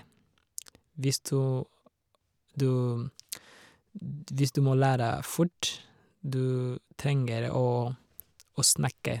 hvis du du d Hvis du må lære fort, du trenger å å snakke.